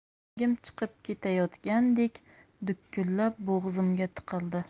yuragim chiqib ketayotgandek dukullab bo'g'zimga tiqildi